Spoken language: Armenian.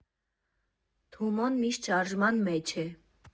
Թումոն միշտ շարժման մեջ է։